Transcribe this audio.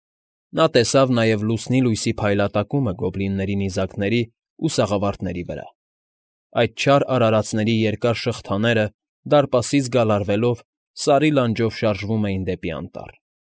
Նա տեսավ նաև լուսնի լույսի փայլատակումը գոբլինների նիզակների ու սաղավարտների վրա. այդ չար արարածների երկար շղթաները դարպասից գալարվելով սարի լանջով շարժվում էին դեպի անտառ։